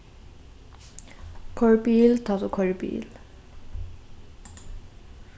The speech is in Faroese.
koyr bil tá tú koyrir bil